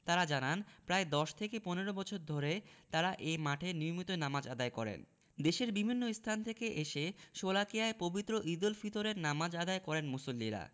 তাঁরা জানান প্রায় ১০ থেকে ১৫ বছর ধরে তাঁরা এ মাঠে নিয়মিত নামাজ আদায় করেন দেশের বিভিন্ন স্থান থেকে এসে শোলাকিয়ায় পবিত্র ঈদুল ফিতরের নামাজ আদায় করেন মুসল্লিরা